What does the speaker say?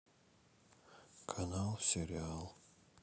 канал сериал